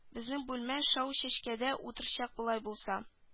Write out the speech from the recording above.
Безнең бүлмә шау чәчкәдә утырачак болай булса